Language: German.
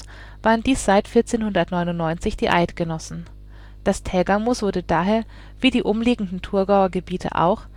1499 die Eidgenossen. Das Tägermoos wurde daher – wie die umliegenden Thurgauer Gebiete auch